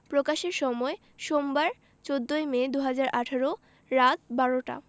প্রকাশের সময় সোমবার ১৪ মে ২০১৮ রাত ১২টা